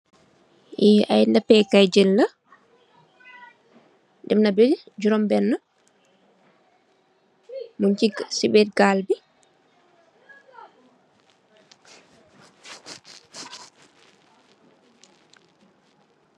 Yii ay nappekaay jen la, demna be juroom benne, nyun si biir gaal bi.